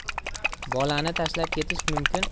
bolani tashlab ketish mumkin